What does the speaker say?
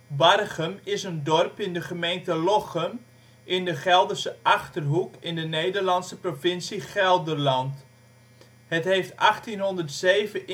Barchem is een dorp in de gemeente Lochem in de Gelderse Achterhoek in de Nederlandse provincie Gelderland. Het heeft 1807 inwoners